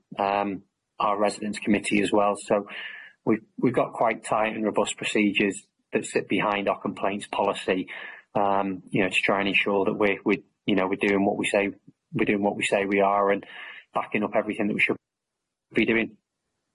erm our residents committee as well. So we've we've got quite tight and robust procedures that sit behind our complaints policy erm you know to try and ensure that we're we you know we're doing what we say we're doing what we say we are and backing up everything that we should be doin'.